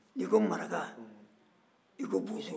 n'i ko maraka i ko bozo